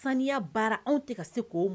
Saniya baara anw tɛ se